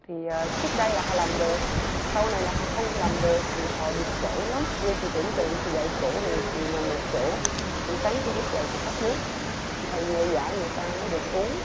thì trước đây là họ làm được sau này là họ không làm được thì họ bực bội lắm bây giờ chị tưởng tượng chị gãy cổ về chỉ nằm một chỗ buổi sáng khi thức dậy chị khát nước chị phải nhờ vả người ta mới được uống